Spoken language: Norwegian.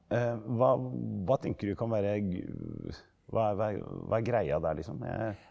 hva hva tenker du kan være hva hva er greia der liksom jeg?